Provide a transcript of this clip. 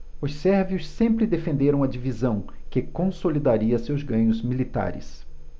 os sérvios sempre defenderam a divisão que consolidaria seus ganhos militares